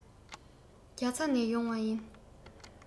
རྒྱ ཚ ནས ཡོང བ ཡིན